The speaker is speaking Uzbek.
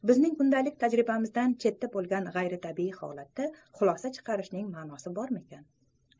bizning kundalik tajribamizdan chetda bo'lgan g'ayritabiiy holatdan xulosa chiqarishning ma'nosi bormikin